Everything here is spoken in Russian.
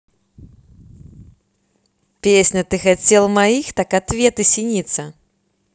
песня ты хотел моих так ответы синица